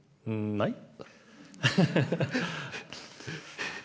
nei .